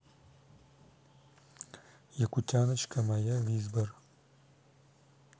якутяночка моя визбор